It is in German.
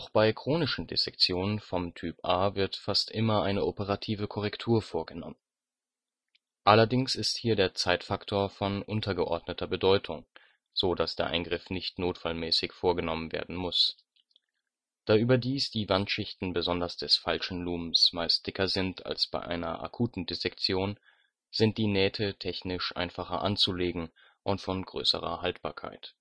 bei chronischen Dissektionen vom Typ A wird fast immer eine operative Korrektur vorgenommen. Allerdings ist hier der Zeitfaktor von untergeordneter Bedeutung, so dass der Eingriff nicht notfallmäßig vorgenommen werden muss. Da überdies die Wandschichten besonders des falschen Lumens meist dicker sind als bei einer akuten Dissektion, sind die Nähte technisch einfacher anzulegen und von größerer Haltbarkeit